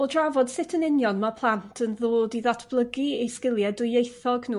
o drafod sut yn union mae plant yn ddod i ddatblygu i sgiliau dwyieithog n'w?